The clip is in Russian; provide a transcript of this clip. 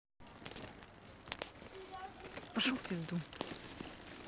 пошел в пизду